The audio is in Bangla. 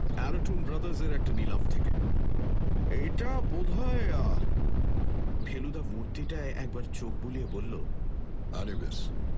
অ্যারাটুন ব্রাদার্সের একটা নিলাম থেকে এটা বোধহয় ফেলুদা মূর্তিটায় একবার চোখ বুলিয়েই বলল আনুবিস